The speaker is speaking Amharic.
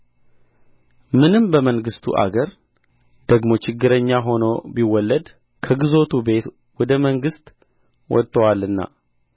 ምንም በመንግሥቱ አገር ደግሞ ችግረኛ ሆኖ ቢወለድ ከግዞቱ ቤት ወደ መንግሥት ወጥቶአልና